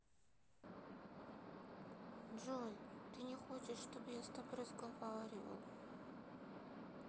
джой ты не хочешь чтобы я с тобой разговаривал